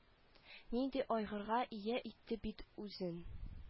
Нинди айгырга ия итте бит үзен